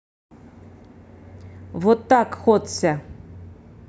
вот так хотся